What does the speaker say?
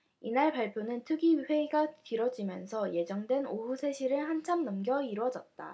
이날 발표는 특위 회의가 길어지면서 예정된 오후 세 시를 한참 넘겨 이뤄졌다